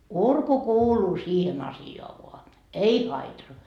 urku kuuluu siihen asiaan vaan ei haitari